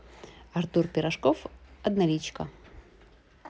артур пирожков одноличка